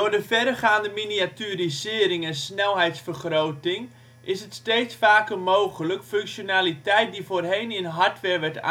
de verregaande miniaturisering en snelheidsvergroting is het steeds vaker mogelijk functionaliteit die voorheen in hardware werd aangebracht